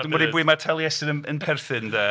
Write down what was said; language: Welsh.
Dibynnu i bwy mae Taliesin yn perthyn 'de.